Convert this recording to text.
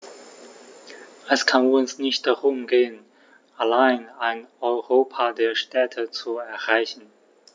Es kann uns nicht darum gehen, allein ein Europa der Städte zu errichten.